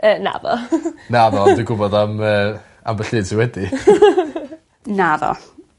Yy naddo. Naddo ond dwi gwybod am yy ambell un sy wedi. Naddo.